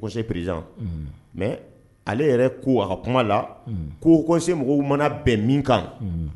Kose perez mɛ ale yɛrɛ ko a ka kuma la ko kose mɔgɔw mana bɛn min kan